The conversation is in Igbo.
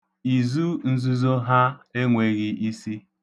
Izu nzuzo ha enweghi isi.